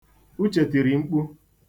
Uche tiri mkpu.